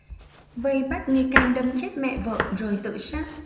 vây bắt nghi can đâm chết mẹ vợ rồi tự sát